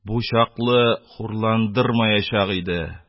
Бу чаклы хурландырмаячак иде